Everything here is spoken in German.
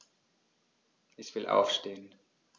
Ich will aufstehen.